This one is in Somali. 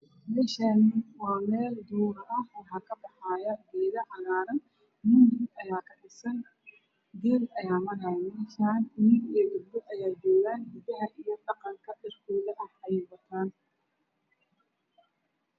Meshan waa mel duur ah waxa kabaxauo gedo cagar mudol aya kadhisan geel aya marayo meshaan wiil io gabdho aya joogan gabdhah dhaqan iskula ah ayey bartan